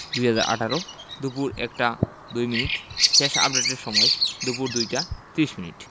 ২০১৮ দুপুর ১টা ২মিনিট শেষ আপডেটের সময় দুপুর ২টা ৩০ মিনিট